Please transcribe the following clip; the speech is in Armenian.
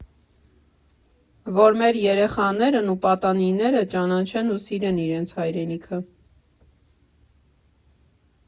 Որ մեր երեխաներն ու պատանիները ճանաչեն ու սիրեն իրենց հայրենիքը։